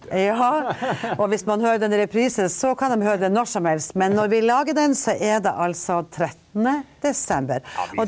ja og hvis man hører den i reprise så kan dem høre det når som helst, men når vi lager den så er det altså 13. desember og.